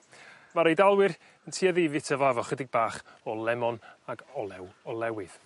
Ma'r Eidalwyr yn tueddi i fita fo efo chydig bach o lemon ag olew olewydd.